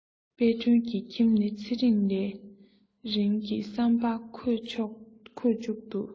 དཔལ སྒྲོན གྱི ཁྱིམ ནི ཚེ རིང ལས རིང གི བསམ པར ཁོས མཇུག ཏུ